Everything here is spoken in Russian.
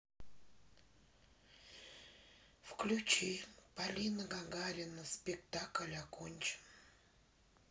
включи полина гагарина спектакль окончен